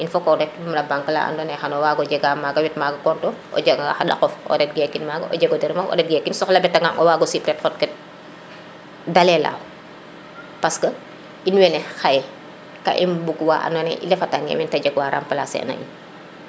foko ret no banque la ando naye xano wago jega maga wet maga compte of o jega nga xaɗakof o ret gekin maga o jego dermof o ret gekin soxla betaŋaŋ o wago sip ret xot kin de lela parce que in wene xaye ka i ɓug wa ando naye i ndefatange meen te jeg wa remplacer a in